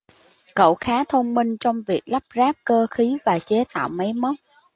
cậu khá thông minh trong việc lắp ráp cơ khí và chế tạo máy móc